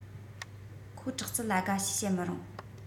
ཁོ དྲག རྩལ ལ དགའ ཞེས བཤད མི རུང